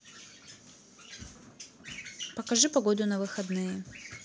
покажи погоду на выходные